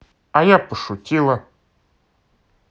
а я пошутила